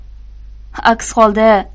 aks holda